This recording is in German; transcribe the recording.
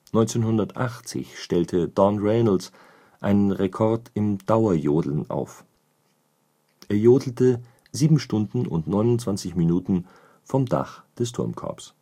1980 stellte Donn Reynolds einen Rekord im Dauerjodeln auf. Er jodelte 7 Stunden und 29 Minuten vom Dach des Turmkorbs